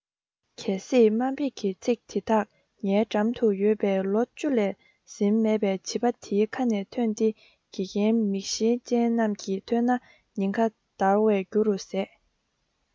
གལ སྲིད དམའ འབེབས ཀྱི ཚིག དེ དག ངའི འགྲམ དུ ཡོད པའི ལོ བཅུ ལས ཟིན མེད པའི བྱིས པ འདིའི ཁ ནས ཐོན ཏེ དགེ རྒན མིག ཤེལ ཅན རྣམས ཀྱིས ཐོས ན སྙིང ཁ འདར བའི རྒྱུ རུ ཟད